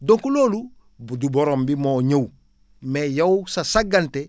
donc loolu bu du borom bi moo ñëw mais yow sa sangante